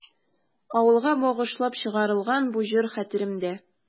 Авылга багышлап чыгарылган бу җыр хәтеремдә.